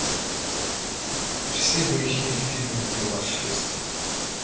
все грехи фильма пила шесть